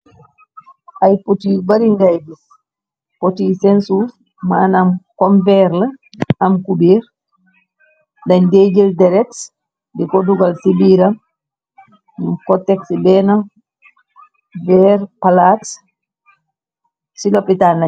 Ay potyu baringaay gis potiy sensuuf maanam kom veer la am kubiir dañ deejël dereks di ko dugal ci biira m ko texci benn veerpalaats ci loppitan la ne.